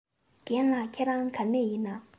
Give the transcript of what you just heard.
རྒན ལགས ཁྱེད རང ག ནས ཡིན ན